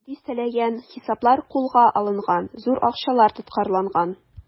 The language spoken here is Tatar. Дистәләгән хисаплар кулга алынган, зур акчалар тоткарланган.